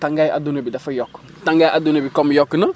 tàngaayu adduna bi dafa yokk tàngaay adduna bi comme yokk na